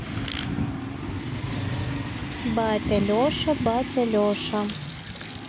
батя леша батя леша